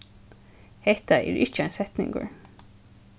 hetta er ikki ein setningur